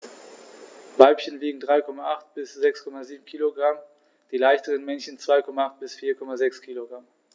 Weibchen wiegen 3,8 bis 6,7 kg, die leichteren Männchen 2,8 bis 4,6 kg.